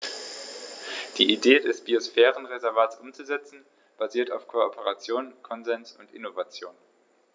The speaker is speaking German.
Die Idee des Biosphärenreservates umzusetzen, basiert auf Kooperation, Konsens und Innovation.